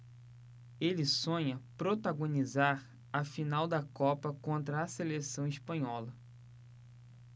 ele sonha protagonizar a final da copa contra a seleção espanhola